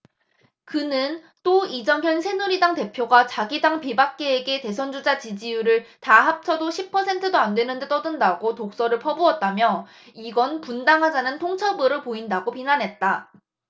그는 또 이정현 새누리당 대표가 자기 당 비박계에게 대선주자 지지율을 다 합쳐도 십 퍼센트도 안 되는데 떠든다고 독설을 퍼부었다며 이건 분당하자는 통첩으로 보인다고 비난했다